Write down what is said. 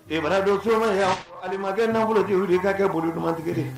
Badon cogoyama yan alimakɛ n'a nafolo tɛ wili ka kɛ bolo dumantigɛ